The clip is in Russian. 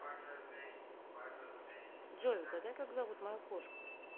джой угадай как зовут мою кошку